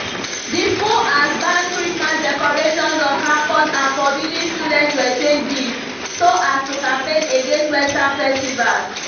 The school has banned Christmas decorations on campus and forbidden students to exchange gifts so as to campaign against Western festivals.